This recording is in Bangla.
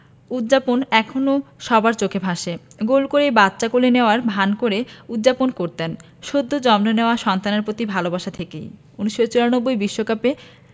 উদ্ যাপনটা এখনো সবার চোখে ভাসে গোল করেই বাচ্চা কোলে নেওয়ার ভান করে উদ্ যাপন করতেন সদ্য জন্ম নেওয়া সন্তানের প্রতি ভালোবাসা থেকেই ১৯৯৪ বিশ্বকাপে